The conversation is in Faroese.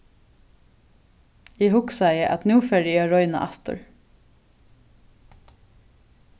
eg hugsaði at nú fari eg at royna aftur